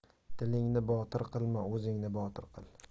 tilingni botir qilma o'zingni botir qil